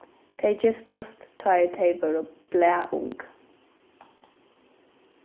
tey giftust tá ið tey vóru blaðung